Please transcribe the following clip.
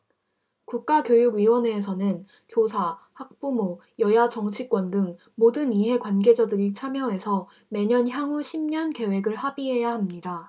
국가교육위원회에서는 교사 학부모 여야 정치권 등 모든 이해관계자들이 참여해서 매년 향후 십 년 계획을 합의해야 합니다